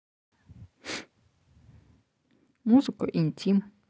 музыка интим